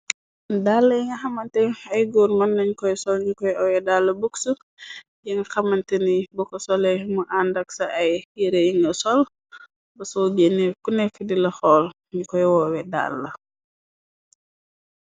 Dalla yi nga xamante ay góor mën nañ koy sol ñu koy awe dalla buksu. Yi nga xamante ni buko sole mu àndag sa ay yere. Yi nga sol ba soo genne ku nekk dila xool ñu koy woowe dal la.